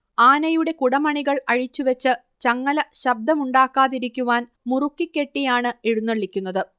ആനയുടെ കുടമണികൾ അഴിച്ചുവെച്ച് ചങ്ങല ശബ്ദമുണ്ടാക്കാതിരിക്കുവാൻ മുറുക്കികെട്ടിയാണ് എഴുന്നള്ളിക്കുന്നത്